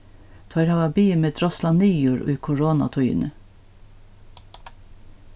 teir hava biðið meg drosla niður í koronatíðini